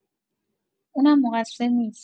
اونم مقصر نیست